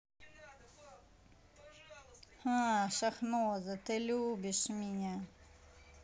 я шахноза ты любишь меня